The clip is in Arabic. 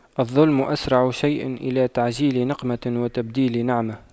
الظلم أسرع شيء إلى تعجيل نقمة وتبديل نعمة